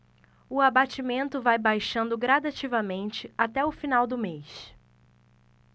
o abatimento vai baixando gradativamente até o final do mês